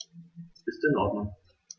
Ist in Ordnung.